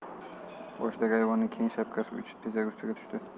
boshidagi ayvoni keng shapkasi uchib tezak ustiga tushdi